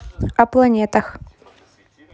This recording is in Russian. о планетах